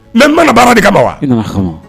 N n bala baara de ka bɔ wa